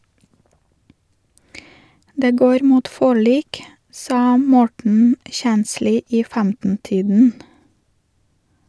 - Det går mot forlik, sa Morten Kjensli i 15-tiden.